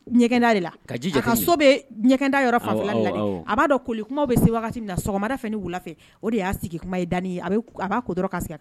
Ɲɛgɛnda de la, ka ji jate minɛ , a ka so bɛ ɲɛgɛnda yɔrɔ fanfɛla de la dɛ, a b'a dɔn koli kuma bɛ se min na sɔgɔmada fɛ ni wula fɛ o de y'a sigi kuma ye , a b'a ko dfɔrnw k'a sigi